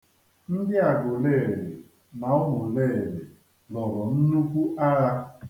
Ndị Aguleri na Ụmụleri lụrụ nnukwu agha.